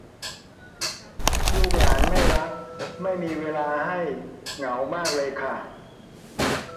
ลูกหลานไม่รักไม่มีเวลาให้เหงามากเลยค่ะ